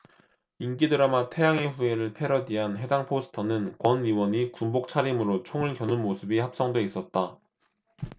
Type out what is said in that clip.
인기 드라마 태양의 후예를 패러디한 해당 포스터는 권 의원이 군복 차림으로 총을 겨눈 모습이 합성돼 있었다